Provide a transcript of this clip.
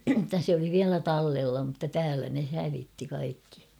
että se oli vielä tallella mutta täällä ne hävitti kaikki